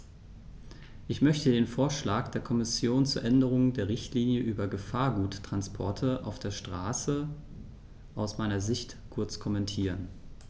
Ich möchte den Vorschlag der Kommission zur Änderung der Richtlinie über Gefahrguttransporte auf der Straße aus meiner Sicht kurz kommentieren.